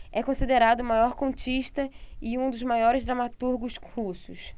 é considerado o maior contista e um dos maiores dramaturgos russos